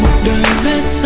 sẽ